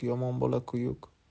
yomon bola kuyuk